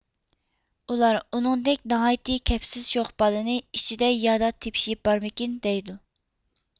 ئۇلار ئۇنىڭدەك ناھايتتى كەپسىز شوخ بالىنى ئىچىدە يادا تىپشى بارمىكىن دەيدۇ